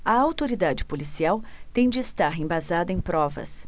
a autoridade policial tem de estar embasada em provas